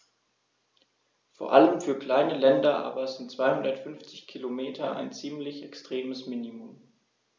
Vor allem für kleine Länder aber sind 250 Kilometer ein ziemlich extremes Minimum.